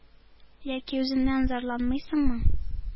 Яки үзеннән зарланмыйсыңмы? —